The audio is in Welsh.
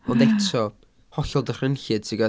Ond eto... ie ...hollol dychrynllyd ti'n gwybod?